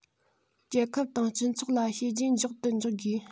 རྒྱལ ཁབ དང སྤྱི ཚོགས ལ བྱས རྗེས འཇོག ཏུ འཇུག དགོས